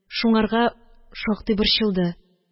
Шуңарга шактый борчылды